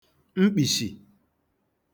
mkpìshì